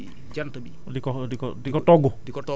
di ko arrosé bàyyi jant bi